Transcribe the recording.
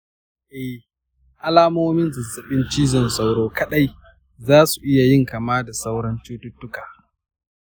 eh, alamomin zazzabin cizon sauro kaɗai za su iya yin kama da na sauran cututtuka.